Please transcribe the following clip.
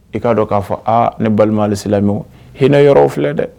I k'a dɔn k'a fɔ aa ne balimasila h hinɛ yɔrɔ filɛ dɛ